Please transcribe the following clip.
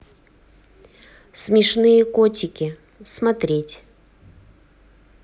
смешные котики смотреть